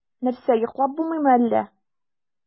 Нәрсә, йоклап булмыймы әллә?